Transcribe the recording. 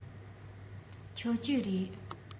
མཆོད ཀྱི རེད